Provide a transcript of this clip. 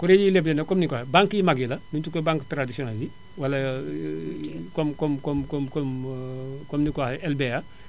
kuréel yiy leble nag comme ni nga ko waxee banque yu mag yi la yi mutuelle :frau tuddee banque traditionnelles yi wala comme comme comme comme comme comme ni nga ko waxee LBA